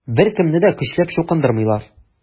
Беркемне дә көчләп чукындырмыйлар.